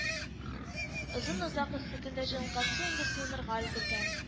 Озын-озак эссе көндә җылынган су инде суынырга өлгергән